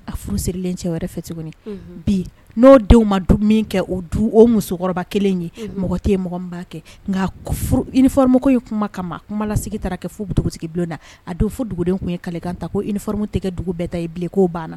A furu sirilen cɛ wɛrɛ fɛ tugunu, unhun, bi n'o denw ma dumuinikɛ o musokɔrɔba kelen in ye, mɔgɔ tɛ yen mɔgɔ min b'a kɛ nka uniforme ko in kuma kama kuma lasigi taala kɛ fɔ dugutigi bulon na , a don fɔ dugudenw tun ye kalikan ta ko uniforme tɛ kɛ dugu bɛɛ ta ye bilen k'o banna